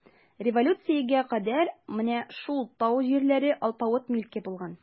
Революциягә кадәр менә шул тау җирләре алпавыт милке булган.